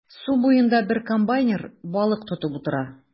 Су буенда бер комбайнер балык тотып утыра.